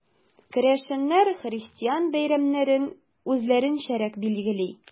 Керәшеннәр христиан бәйрәмнәрен үзләренчәрәк билгели.